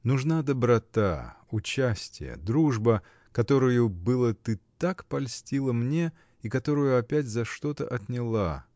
— Нужна доброта, участие, дружба, которою было ты так польстила мне и которую опять за что-то отняла.